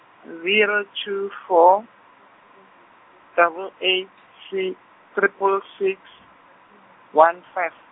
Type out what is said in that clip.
zero, two, four , double eight, three, triple six , one, five.